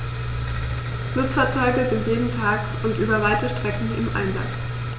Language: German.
Nutzfahrzeuge sind jeden Tag und über weite Strecken im Einsatz.